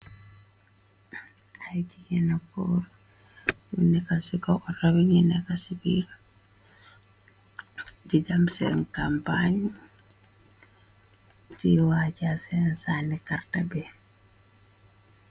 Ay jigéen ay kóor yu nekka ci ko otari ñu neka ci bi di dam seen kampaañ ci waaja seen sanni karta bi.